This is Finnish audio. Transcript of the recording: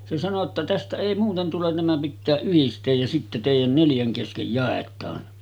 se sanoi jotta tästä ei muuten tule nämä pitää yhdistää ja sitten teidän neljän kesken jaetaan